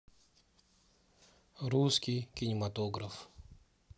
русский кинематограф